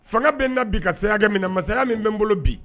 Fanga bɛ na bi ka sayakɛ minɛ na mansaya min bɛ bolo bi